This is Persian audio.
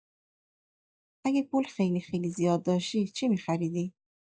اگه پول خیلی خیلی زیادی داشتی چی می‌خریدی؟